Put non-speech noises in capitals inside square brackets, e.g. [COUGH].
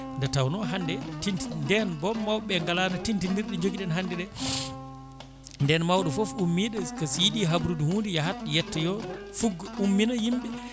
nde tawno hande [HESITATION] nden boom mawɓe galano tintinirɗe joguiɗen hande ɗe nden mawɗo foof ummiɗo ko so yiiɗino habrude hunde yaahat yettoyo fugga ummina